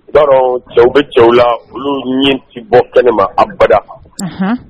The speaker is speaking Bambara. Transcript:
Dɔw cɛw bɛ cɛw la olu ɲɛ tɛ bɔ kɛnɛma abada